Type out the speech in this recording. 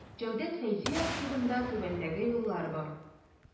Җәүдәт Фәйзи архивында түбәндәге юллар бар.